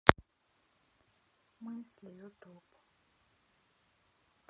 мысли ютуб